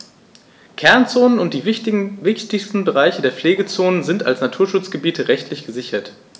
Kernzonen und die wichtigsten Bereiche der Pflegezone sind als Naturschutzgebiete rechtlich gesichert.